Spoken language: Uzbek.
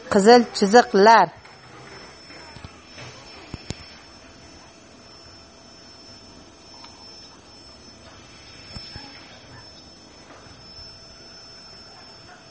qizil chiziqlar